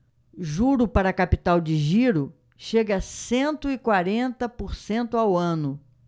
juro para capital de giro chega a cento e quarenta por cento ao ano